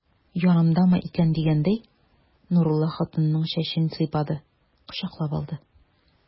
Янымдамы икән дигәндәй, Нурулла хатынының чәчен сыйпады, кочаклап алды.